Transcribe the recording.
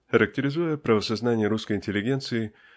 Характеризуя правосознание русской интеллигенции